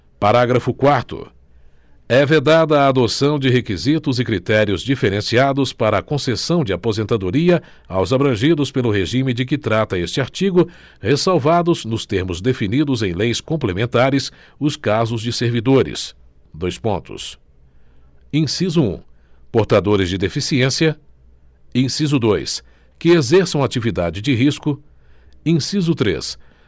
parágrafo quarto é vedada a adoção de requisitos e critérios diferenciados para a concessão de aposentadoria aos abrangidos pelo regime de que trata este artigo ressalvados nos termos definidos em leis complementares os casos de servidores dois pontos inciso um portadores de deficiência inciso dois que exerçam atividades de risco inciso três